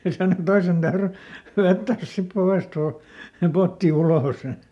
ja sanoi toisen täytyi vetää sitten povesta - se potti ulos